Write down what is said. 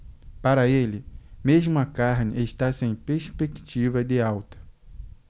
para ele mesmo a carne está sem perspectiva de alta